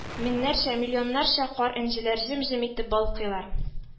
Меңнәрчә, миллионнарча кар энҗеләре җем-җем итеп балкыйлар